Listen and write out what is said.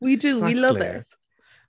We do... exactly ...we love it.